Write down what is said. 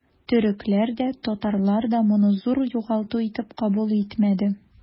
Төрекләр дә, татарлар да моны зур югалту итеп кабул итмәде.